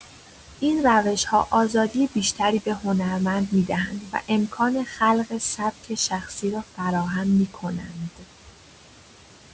این روش‌ها آزادی بیشتری به هنرمند می‌دهند و امکان خلق سبک شخصی را فراهم می‌کنند.